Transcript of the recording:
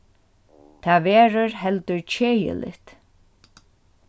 tað verður heldur keðiligt